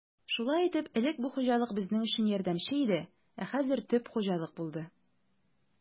Шулай итеп, элек бу хуҗалык безнең өчен ярдәмче иде, ә хәзер төп хуҗалык булды.